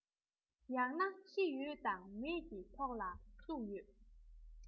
ཡང ན ཤི ཡོད དང མེད ཀྱི ཐོག ལ བཙུགས ཡོད